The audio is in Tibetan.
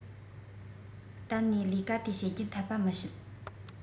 གཏན ནས ལས ཀ དེ བྱེད རྒྱུ འཐད པ མི བྱེད